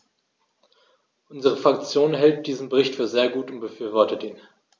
Unsere Fraktion hält diesen Bericht für sehr gut und befürwortet ihn.